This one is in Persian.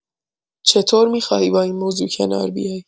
چطور می‌خواهی با این موضوع کنار بیای؟